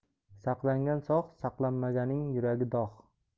saqlangan sog' saqlanmaganning yuragi dog'